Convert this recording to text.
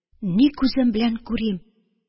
Ни күзем белән күрим!